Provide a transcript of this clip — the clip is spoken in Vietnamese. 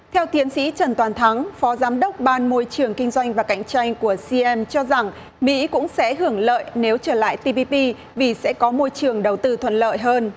theo tiến sĩ trần toàn thắng phó giám đốc ban môi trường kinh doanh và cạnh tranh của ci em cho rằng mỹ cũng sẽ hưởng lợi nếu trở lại ti pi pi vì sẽ có môi trường đầu tư thuận lợi hơn